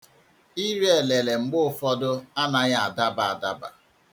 Iri elele mgbe ụfọdụ anaghị adaba adaba.